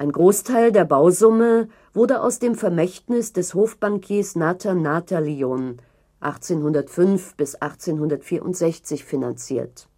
Großteil der Bausumme wurde aus dem Vermächtnis des Hofbankiers Nathan Nathalion (1805 – 1864) finanziert